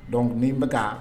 Don ni ma